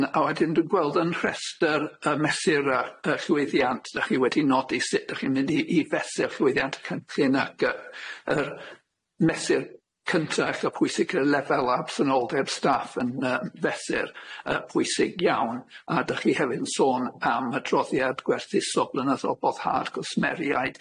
A wedyn dwi'n gweld yn rhestr y mesur ac y llwyddiant dach chi wedi nodi sut dach chi'n mynd i i fesur llwyddiant cynllun ac yy yr mesur cyntach a pwysig yw'r lefel a absenoldeb staff yn yy fesur yy pwysig iawn a dach chi hefyd yn sôn am adroddiad gwerthuso blynyddodd boddhad cwsmeriaid.